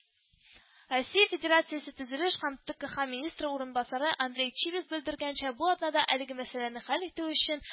Россия Федерациясе төзелеш һәм ТэКэХа министры урынбасары Андрей Чибис белдергәнчә, бу атнада, әлеге мәсьәләне хәл итү өчен